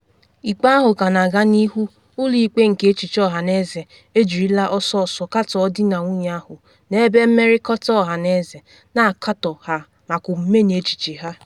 Ikpe ahụ ka na aga n’ihu, ụlọ ikpe nke echiche ọhaneze ejirila ọsọ ọsọ katọọ di na nwunye ahụ n’ebe mmerịkọta ọhaneze, na akatọ ha maka omume na echiche ha.